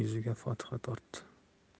yuziga fotiha tortdi